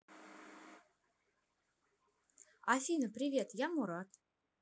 афина привет я мурат